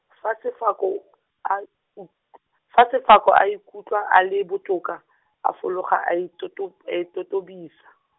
fa Sefako , a utl-, fa Sefako a ikutlwa a le botoka , a fologa a itoto-, e itotobisa .